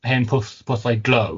Hen pwll- pwllau glow.